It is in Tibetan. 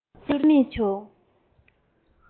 འཕོ འགྱུར ཚད མེད བྱུང